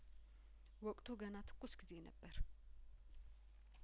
ወቅቱ ገና ትኩስ ጊዜ ነበር